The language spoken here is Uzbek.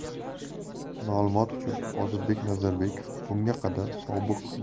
ma'lumot uchun ozodbek nazarbekov bunga qadar sobiq